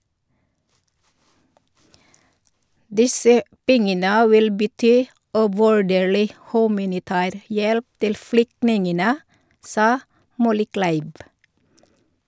Disse pengene vil bety uvurderlig humanitær hjelp til flyktningene, sa Mollekleiv.